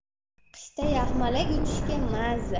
qishda yaxmalak uchishga maza